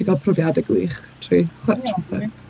'Di cael profiadau gwych trwy... ie ...chwarae trwmped.